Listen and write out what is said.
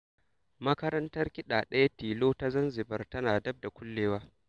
Makarantar kiɗa ɗaya tilo ta Zanzibar tana dab da kullewa.